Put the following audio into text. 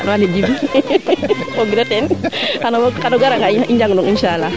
axa kay xano an Djiby fogiro teen xano gara nga i njang nong inchalala